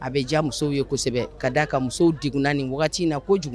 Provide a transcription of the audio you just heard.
A bɛ ja musow ye kosɛbɛ ka d da aa ka muso dgnan ni wagati na ko kojugu